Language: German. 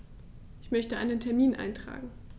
Ich möchte einen Termin eintragen.